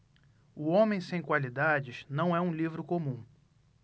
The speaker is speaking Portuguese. o homem sem qualidades não é um livro comum